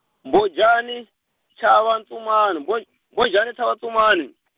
Mbhojana, chava tsumani, Mbho- Mbhojana chava tsumani .